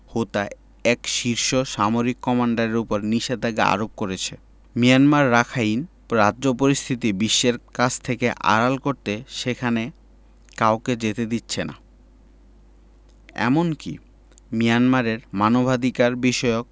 হোতা এক শীর্ষ সামরিক কমান্ডারের ওপর নিষেধাজ্ঞা আরোপ করেছে মিয়ানমার রাখাইন রাজ্য পরিস্থিতি বিশ্বের কাছ থেকে আড়াল করতে সেখানে কাউকে যেতে দিচ্ছে না এমনকি মিয়ানমারে মানবাধিকারবিষয়ক